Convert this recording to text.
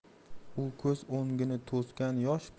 u ko'z o'ngini to'sgan yosh